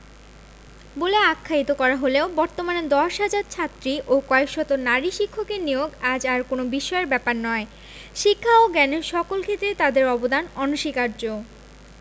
বলে আখ্যায়িত করা হলেও বর্তমানে ১০ হাজার ছাত্রী ও কয়েক শত নারী শিক্ষকের নিয়োগ আজ আর কোনো বিস্ময়ের ব্যাপার নয় শিক্ষা ও জ্ঞানের সকল ক্ষেত্রে তাদের অবদান অনস্বীকার্য